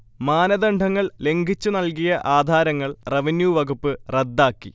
മാനദണ്ഡങ്ങൾ ലംഘിച്ചു നൽകിയ ആധാരങ്ങൾ റവന്യൂ വകുപ്പ് റദ്ദാക്കി